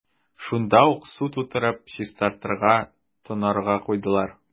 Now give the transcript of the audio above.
Шунда ук су тутырып, чистарырга – тонарга куйдылар.